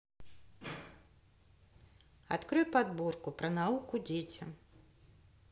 открой подборку про науку детям